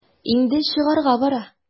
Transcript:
Инде чыгарга бара.